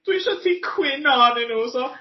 dwi isio ti cwyno arnyn n'w so